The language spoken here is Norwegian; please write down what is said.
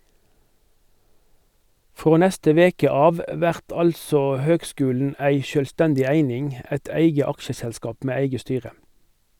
Frå neste veke av vert altså høgskulen ei sjølvstendig eining, eit eige aksjeselskap med eige styre.